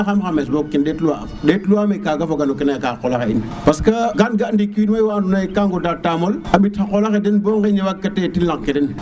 na xam xames boog keem ɗet luwa ɗetluwame kaga foga no ke na yaqa xa qola xe in parce que kam ga diki win mayu wa andona ye ka goda taamol tamit no qola xe den bo ŋeñ waag kate tig lang ke den